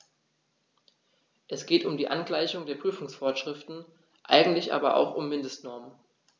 Es geht um die Angleichung der Prüfungsvorschriften, eigentlich aber auch um Mindestnormen.